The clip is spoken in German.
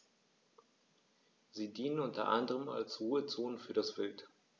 Sie dienen unter anderem als Ruhezonen für das Wild.